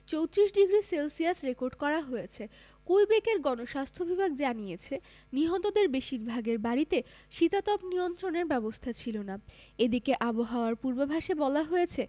৩৪ degree celsius record করা হয়েছে কুইবেকের গণস্বাস্থ্য বিভাগ জানিয়েছে নিহতদের বেশিরভাগের বাড়িতে শীতাতপ নিয়ন্ত্রণের ব্যবস্থা ছিল না এদিকে আবহাওয়ার পূর্বাভাসে বলা হয়েছে